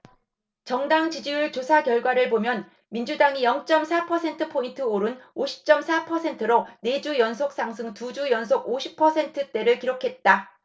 정당 지지율 조사결과를 보면 민주당이 영 쩜 사 퍼센트포인트 오른 오십 쩜 사 퍼센트로 네 주 연속 상승 두 주 연속 오십 퍼센트대를 기록했다